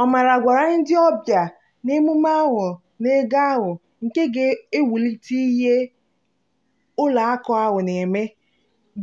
Omarah gwara ndị ọbịa n'emume ahụ na ego ahụ, nke ga-ewulite ihe ụlọ akụ ahụ na-eme,